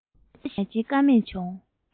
ཞིབ ལྟ ཞིག མི བྱེད ཀ མེད བྱུང